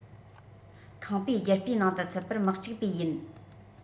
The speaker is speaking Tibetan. ཁང པའི རྒྱུ སྤུས ནང དུ ཚུད པར མི གཅིག པས ཡིན